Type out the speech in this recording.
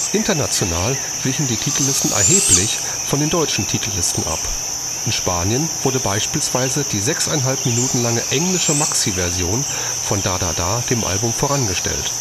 International wichen die Titellisten erheblich von den deutschen Titellisten ab. In Spanien wurde beispielsweise die sechseinhalb Minuten lange englische Maxi-Version von Da Da Da dem Album vorangestellt